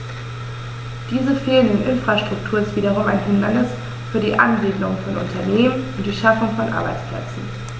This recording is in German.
Diese fehlende Infrastruktur ist wiederum ein Hindernis für die Ansiedlung von Unternehmen und die Schaffung von Arbeitsplätzen.